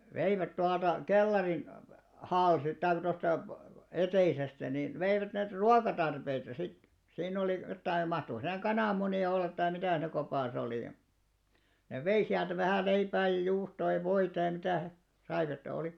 veivät tuolta kellarin - tai tuosta eteisestä niin veivät näitä ruokatarpeita sitten siinä oli jotakin mahtoiko siinä kananmunia olla tai mitä siinä kopassa oli ja ne vei sieltä vähän leipää ja juustoa ja voita ja mitä he saivat että oli